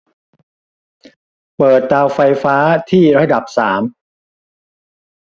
เปิดเตาไฟฟ้าที่ระดับสาม